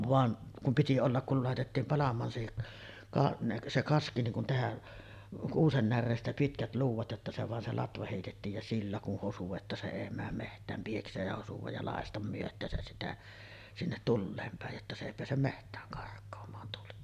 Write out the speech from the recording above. vaan kun piti olla kun laitettiin palamaan se - se kaski niin kuin tehdä kuusen näreestä pitkät luudat jotta se vain se latva heitettiin ja sillä kun hosui että se ei mene metsään pieksemään ja hosua ja lakaista myötäänsä sitä sinne tuleen päin jotta se ei pääse metsään karkaamaan tuli